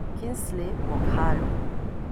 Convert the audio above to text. Kingsley Moghalu